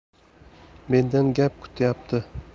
mendan gap kutyapti